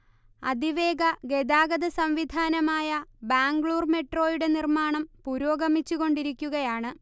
അതിവേഗ ഗതാഗത സംവിധാനമായ ബാംഗ്ലൂർ മെട്രോയുടെ നിർമ്മാണം പുരോഗമിച്ചു കൊണ്ടിരിക്കുകയാണ്